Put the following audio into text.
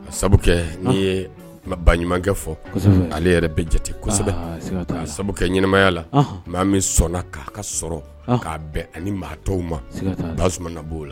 A sabu n'i ye ba ɲumankɛ fɔ ale yɛrɛ bɛ jate kosɛbɛ k' sabu kɛ ɲmaya la maa min sɔnna k'a ka sɔrɔ k'a bɛn ani maa tɔw ma basuman b'o la